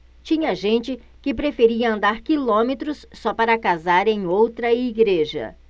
tinha gente que preferia andar quilômetros só para casar em outra igreja